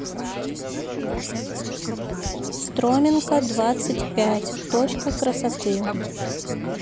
строменко двадцать пять точка красоты